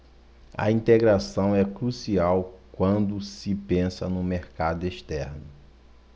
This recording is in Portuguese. a integração é crucial quando se pensa no mercado externo